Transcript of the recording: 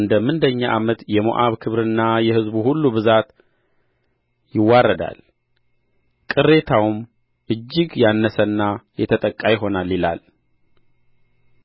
እንደ ምንደኛ ዓመት የሞዓብ ክብርና የሕዝቡ ሁሉ ብዛት ይዋረዳል ቅሬታውም እጅግ ያነሰና የተጠቃ ይሆናል ይላል